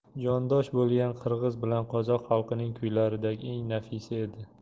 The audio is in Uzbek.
jondosh bo'lgan qirg'iz bilan qozoq xalqining kuylaridagi eng nafisi edi